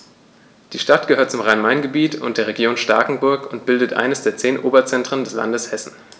Die Stadt gehört zum Rhein-Main-Gebiet und der Region Starkenburg und bildet eines der zehn Oberzentren des Landes Hessen.